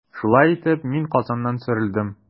Шулай итеп, мин Казаннан сөрелдем.